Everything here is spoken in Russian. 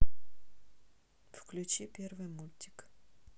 включи первый мультик